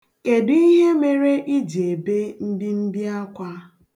Kedụ ihe mere iji ebe mbimbiakwa?